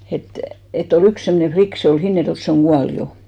että että oli yksi semmoinen likka se oli Hinnerjoelta se on kuollut jo